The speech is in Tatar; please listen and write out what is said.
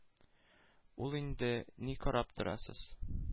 Ул инде: «Ни карап торасыз?»